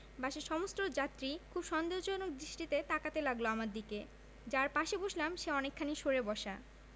বাসের সমস্ত যাত্রী খুব সন্দেহজনক দৃষ্টিতে তাকাতে লাগলো আমার দিকে যার পাশে বসলাম সে অনেকখানি সরে বসা